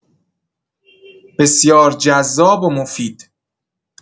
بسیار جذاب و مفید